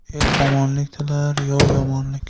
el omonlik tilar yov yomonlik